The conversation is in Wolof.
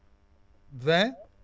20